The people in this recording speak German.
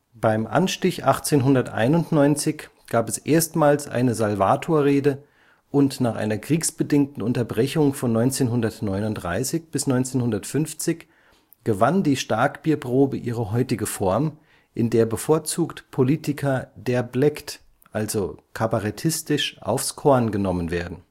Beim Anstich 1891 gab es erstmals eine Salvatorrede, und nach einer kriegsbedingten Unterbrechung von 1939 bis 1950 gewann die Starkbierprobe ihre heutige Form, in der bevorzugt Politiker „ derbleckt “, also kabarettistisch aufs Korn genommen werden